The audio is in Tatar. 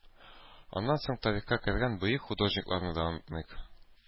Аннан соң тарихка кергән бөек художникларны да онытмыйк.